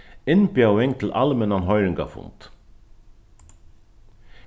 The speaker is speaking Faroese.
innbjóðing til almennan hoyringarfund